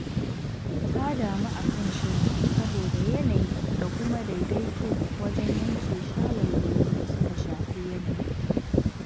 Ta damu a kan shirin sabo da yanayi da kuma daidaito wajen yanke shawarwarin da suka shafi yanayi.